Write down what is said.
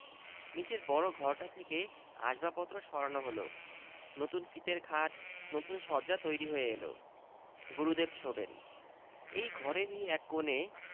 নীচের বড় ঘরটা থেকে আসবাবপত্র সরানো হলো নতুন ফিতের খাট নতুন শয্যা তৈরি হয়ে এলো গুরুদেব শোবেন এই ঘরেরই এক কোণে